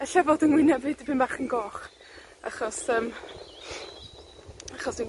Ella fod 'yng ngwyneb i dipyn bach yn goch. Achos yym achos dwi'n